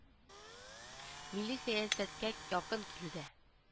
Милли сәясәткә якын килүдә